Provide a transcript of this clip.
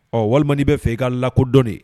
Ɔ walima bɛ fɛ i ka lakɔdɔnɔni